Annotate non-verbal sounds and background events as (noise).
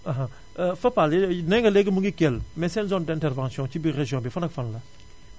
(hesitation) (hesitation) Fapal nee nga léegi mu ngi Kell mais seen zone d' intervention ci biir région bi fan ak fan la